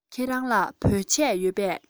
ཁྱེད རང ལ བོད ཆས ཡོད པས